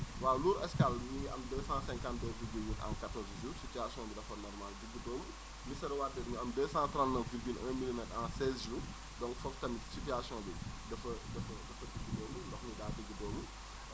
waaw Lour Escale mu ngi am 252 viorgule 8 en 14 jours situation bi dafa normale diggudóomu Missira Wadeen ñu am 239 virgule 1 milimètre en 16 jours donc foofu tamit situation bi dafa dafa dafa diggudóomu ndox mi daa diggudóomu